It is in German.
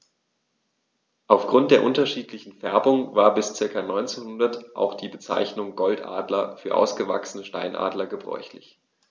Auf Grund der unterschiedlichen Färbung war bis ca. 1900 auch die Bezeichnung Goldadler für ausgewachsene Steinadler gebräuchlich.